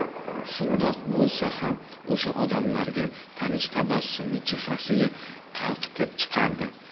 shundoq bo'lsa ham o'sha odamlarga tanish tabassumni chehrasiga qalqitib chiqardi